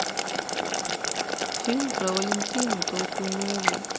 фильм про валентину толкунову